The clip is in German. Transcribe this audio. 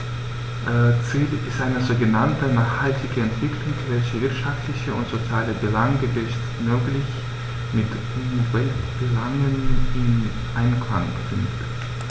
Ziel ist eine sogenannte nachhaltige Entwicklung, welche wirtschaftliche und soziale Belange bestmöglich mit Umweltbelangen in Einklang bringt.